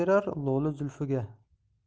berar lo'li zulfiga